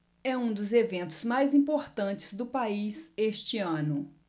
é um dos eventos mais importantes do país este ano